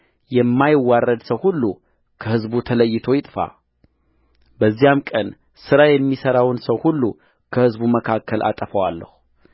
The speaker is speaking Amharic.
የማይዋረድ ሰው ሁሉ ከሕዝቡ ተለይቶ ይጥፋበዚያም ቀን ሥራ የሚሠራውን ሰው ሁሉ ከሕዝቡ መካከል አጠፋዋለሁ